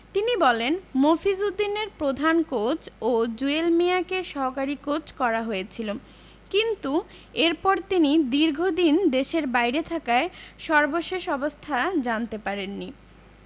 তিনি বলেন মফিজ উদ্দিনের প্রধান কোচ ও জুয়েল মিয়াকে সহকারী কোচ করা হয়েছিল কিন্তু এরপর তিনি দীর্ঘদিন দেশের বাইরে থাকায় সর্বশেষ অবস্থা জানতে পারেননি